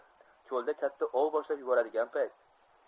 cholda katta ov boshlab yuboradigan payt